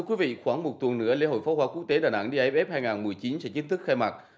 thưa quý vị khoảng một tuần nữa lễ hội pháo hoa quốc tế đà nẵng a ép ép hai nghìn mười chín sẽ chính thức khai mạc